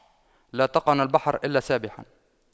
لا تقعن البحر إلا سابحا